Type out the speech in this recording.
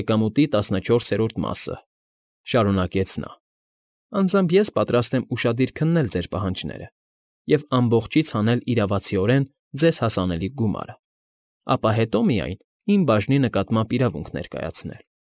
Երկամուտի տասնչորսերորդ մասը,֊ շարունակեց նա։֊ Անձամբ ես պատրաստ եմ ուշադիր քննել ձեր պահանջները և ամբողջից հանել իրավացիորեն ձեզ հասանելիք գումարը, ապա հետո միայն իմ բաժնի նկատմամբ իրավունք ներկայացնել։